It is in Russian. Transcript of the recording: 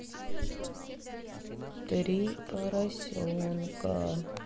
три поросенка